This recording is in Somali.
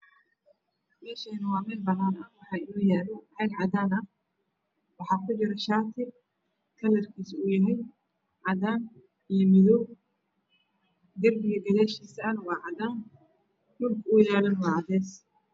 Meshani waa mel banan ah waxaino yalo cag cadan ah wax ku jiro shati kalsrkiisu uu yahay cadan iyo madow darbiga gadashisa wa cadan Dhulka uyalo wa Cades